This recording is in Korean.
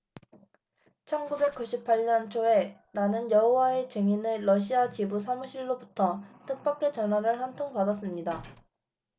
천 구백 구십 팔 년 초에 나는 여호와의 증인의 러시아 지부 사무실로부터 뜻밖의 전화를 한 통 받았습니다